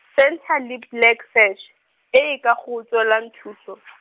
Centre le Black Sash, e e ka go tswelang thuso.